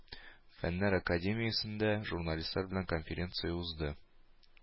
Фәннәр академиясендә журналистлар белән конференция узды.